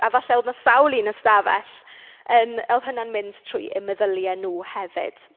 A falle oedd 'na sawl un yn 'stafell yn... oedd hynna'n mynd trwy eu meddyliau nhw hefyd.